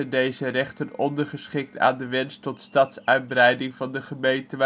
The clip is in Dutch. deze rechten ondergeschikt aan de wens tot stadsuitbreiding van de gemeente